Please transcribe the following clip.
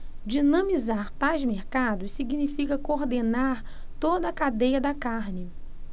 dinamizar tais mercados significa coordenar toda a cadeia da carne